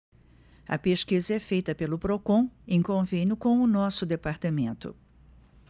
a pesquisa é feita pelo procon em convênio com o diese